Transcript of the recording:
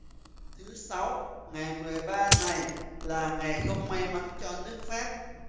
thứ sáu ngày mười ba này là ngày không may mắn cho nước pháp